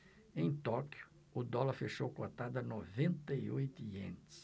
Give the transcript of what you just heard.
em tóquio o dólar fechou cotado a noventa e oito ienes